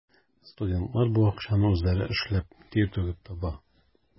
Студентлар бу акчаны үзләре эшләп, тир түгеп таба.